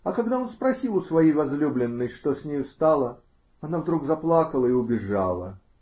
А когда он спросил у своей возлюбленной, что с нею стало, она вдруг заплакала и убежала.